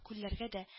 Күлләргә дә